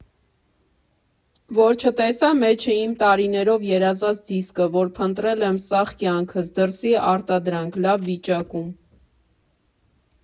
Որ չտեսա՜ մեջը իմ՝ տարիներով երազած դիսկը, որ փնտրել եմ սաղ կյանքս, դրսի արտադրանք, լավ վիճակո՜ւմ։